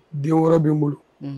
Den wɛrɛ be n bolo. Unhun